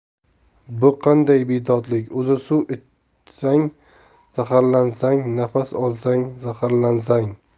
bu qanday bedodlik o'zi suv ichsang zaharlansang nafas olsang zaharlansang